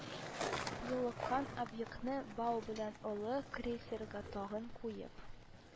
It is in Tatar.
Юлыккан объектны бау белән олы крейсерга тагып куеп,